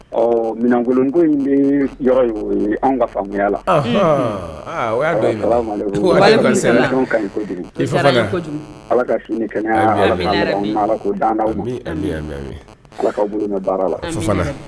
Ɔ minɛnankolondo in bɛ yɔrɔ ye anw ka faamuyaya la ala ka ni ala ko dadakaw bolo baara la